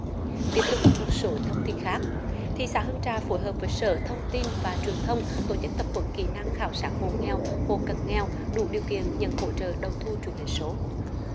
tiếp tục với một số thông tin khác thị xã hương trà phối hợp với sở thông tin và truyền thông tổ chức tập huấn kỹ năng khảo sát hộ nghèo hộ cận nghèo đủ điều kiện nhận hỗ trợ đầu thu truyền hình số